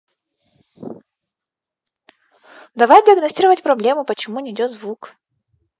давай диагностировать проблему почему не идет звук